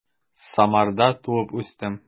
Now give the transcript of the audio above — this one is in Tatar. Самарда туып үстем.